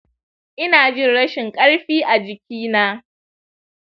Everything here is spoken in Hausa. inajin rashin karfi a jikina